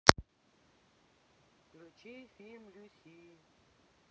включи фильм люси